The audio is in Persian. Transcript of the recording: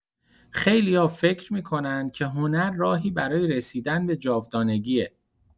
خیلیا فکر می‌کنن که هنر راهی برای رسیدن به جاودانگیه.